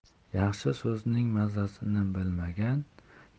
yaxshi so'zning mazzasini bilmagan